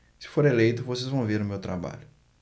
se for eleito vocês vão ver o meu trabalho